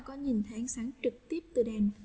là có nhìn thấy ánh sáng trực tiếp từ đèn